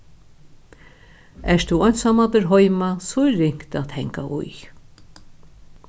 ert tú einsamallur heima so er ringt at hanga í